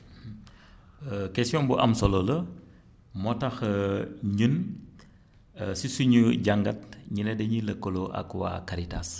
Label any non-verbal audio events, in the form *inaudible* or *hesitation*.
*hesitation* *hesitation* question bu am solo la moo tax *hesitation* ñun *hesitation* si suñu jàngat ñu ne dañuy lëkkaloo ak waa Caritas